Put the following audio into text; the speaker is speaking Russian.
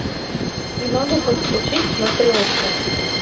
не могу подключить смотрешку